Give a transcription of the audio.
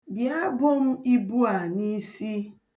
Bịa, bo m ibu a n'isi.